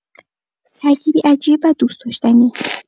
ترکیبی عجیب و دوست‌داشتنی.